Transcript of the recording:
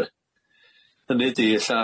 lly, hynny ydi ella